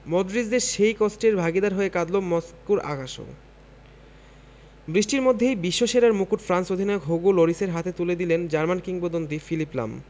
মডরিচদের সেই কষ্টের ভাগিদার হয়ে কাঁদল মস্কোর আকাশও বৃষ্টির মধ্যেই বিশ্বসেরার মুকুট ফ্রান্স অধিনায়ক হুগো লরিসের হাতে তুলে দিলেন জার্মান কিংবদন্তি ফিলিপ লাম